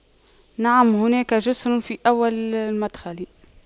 نعم هناك جسر في أول المدخل